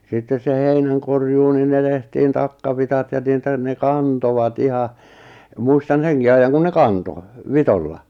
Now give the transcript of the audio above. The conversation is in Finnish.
sitten se heinänkorjuu niin ne tehtiin takkavitsat ja niitä ne kantoivat ihan muistan senkin ajan kun ne kantoi vitsoilla